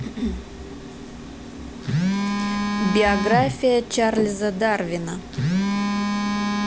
биография чарльза дарвина